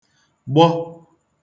gbọ